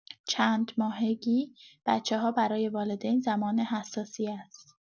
چندماهگی بچه‌ها برای والدین زمان حساسی است.